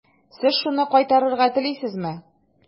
Сез шуны кайтарырга телисезме?